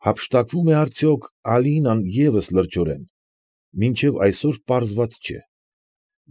Հափշտակվո՞ւմ է, արդյոք, Ալինան ևս լրջորեն ֊ մինչև այսօր պարզված չէ։